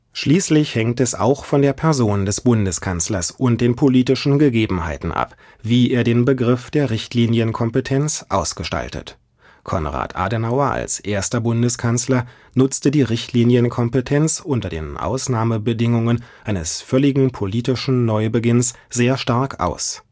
Schließlich hängt es auch von der Person des Bundeskanzlers und den politischen Gegebenheiten ab, wie er den Begriff der Richtlinienkompetenz ausgestaltet. Konrad Adenauer als erster Bundeskanzler nutzte die Richtlinienkompetenz unter den Ausnahmebedingungen eines völligen politischen Neubeginns sehr stark aus